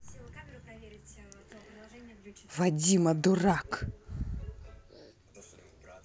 вадима дурак